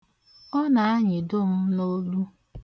Ọ na-anyịdo m n'olu.